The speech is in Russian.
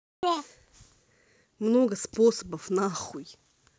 много способов нахуй